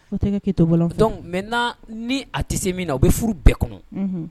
O tɛ kɛ k'i to bɔlɔn fɔ, donc maintenant ni a tɛ se min na u bɛ furu bɛɛ kɔnɔ